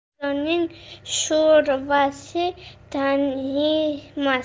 arzonning sho'rvasi tatimas